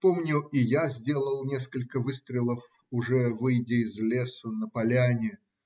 Помню, и я сделал несколько выстрелов, уже выйдя из лесу, на поляне.